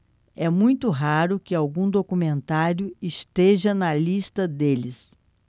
é muito raro que algum documentário esteja na lista deles